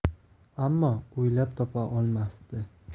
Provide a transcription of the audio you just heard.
ammo o'ylab topa olmasdi